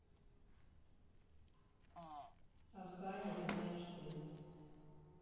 аха не знаешь ты